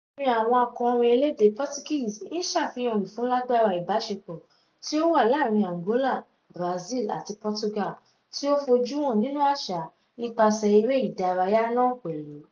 Orin àwọn akọrin elédè Portuguese ń ṣàfihàn ìfúnlágbára ìbáṣepọ̀ tí ó wà láàárín Angola, Brazil àti Portugal — tí ó fojú hàn nínú àṣà, nípasẹ̀ eré ìdárayá náà pẹ̀lú.